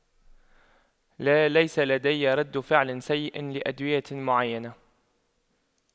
لا ليس لدي رد فعل سيء لأدوية معينة